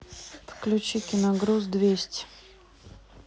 включи кино груз двести